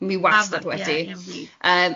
Ma'i wastad wedi.